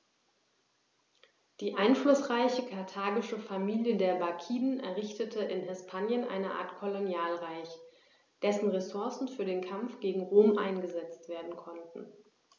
Die einflussreiche karthagische Familie der Barkiden errichtete in Hispanien eine Art Kolonialreich, dessen Ressourcen für den Kampf gegen Rom eingesetzt werden konnten.